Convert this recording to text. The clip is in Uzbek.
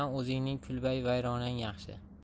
o'zingning kulbayi vayronang yaxshi